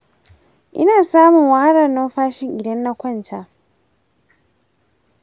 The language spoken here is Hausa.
ina samun wahalar numfashi idan na kwanta.